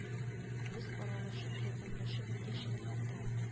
Без аралашып ярдәмләшеп яшибез диде